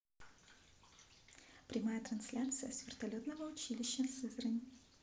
прямая трансляция с вертолетного училища сызрань